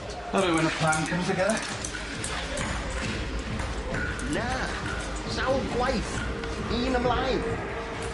Ma' rhywun o'r plan cynta Gareth? Na, sawl gwaith, un ymlaen.